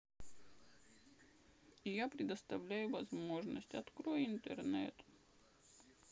я предоставляю возможность открой интернет